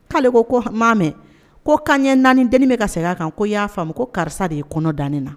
Koale ko ko maa mɛ ko ka ɲɛ naani deni bɛ ka segin kan ko y'a fa ma ko karisa de yei kɔnɔ dannen na